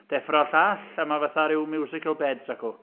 Deffro'r llall, a mae fatha ryw musical beds acw.